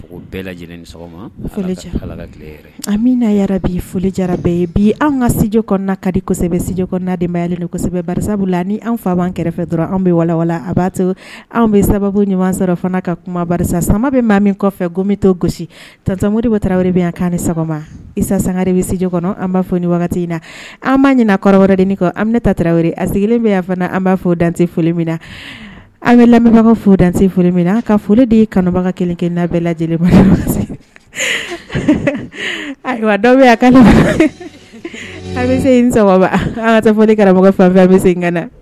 An ya bi foli jara bɛɛ ye bi anw ka sjdi kɔnɔna kadisɛbɛ sjnadenbayayasɛbɛsabu la ni an fa'an kɛrɛfɛ dɔrɔn an bɛwa a b'a to anw bɛ sababu ɲuman sɔrɔ fana ka kuma sama bɛ maa min kɔfɛ komi to gosi tsamoba tarawele bɛ an ni sɔgɔma isa sangare bɛ stuj kɔnɔ an b'a fɔ ni wagati in na an b'a ɲininka kɔrɔ wɛrɛd kɔ ami ne ta tarawele a sigilen bɛ yan fana an b'a fɔ o dan foli min na an bɛ lamɛnbagaw fo dan foli min na ka foli de ye kanubaga kelen kɛ na bɛɛ lajɛlen ayiwa dɔ an bɛ se an ka tɛ fɔ ni karamɔgɔ fan bɛ in kɛnɛ dɛ